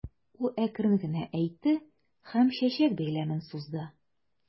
Ул әкрен генә әйтте һәм чәчәк бәйләмен сузды.